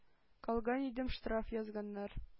Калган идем, штраф язганнар.